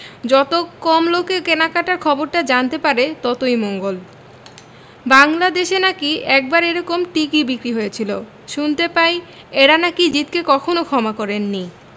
যত কম লোকে কেনাকাটার খবরটা জানতে পারে ততই মঙ্গল বাঙলা দেশে নাকি একবার এরকম টিকি বিক্রি হয়েছিল শুনতে পাই এঁরা নাকি জিদকে কখনো ক্ষমা করেন নি